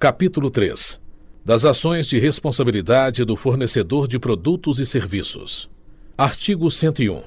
capítulo três das ações de responsabilidade do fornecedor de produtos e serviços artigo cento e um